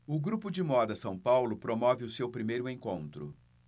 o grupo de moda são paulo promove o seu primeiro encontro